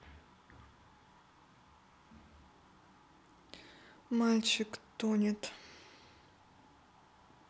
мальчик тонет